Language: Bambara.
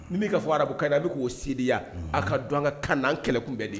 Min b'i'a fɔ arabukan na a bɛ k'o seya a ka don an ka kanan kɛlɛkunbɛn de ye